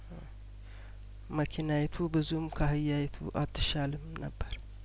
መኪናዪቱ ብዙም ካህያዪቱ አትሻልም ነበር